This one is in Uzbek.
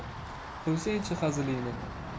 qo'ysangchi hazilingni